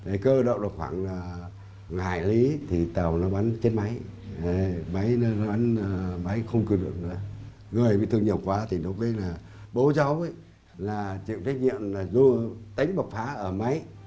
cơ độ khoảng là hải lý thì tàu nó bắn chết máy máy nó bắn máy không cử động được nữa người bị thương nhiều quá thì lúc ấy là bố cháu ấy là chịu trách nhiệm là do đánh bộc phá ở máy